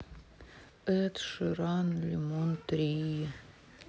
эд ширан лемон три